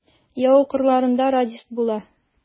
Яу кырларында радист була.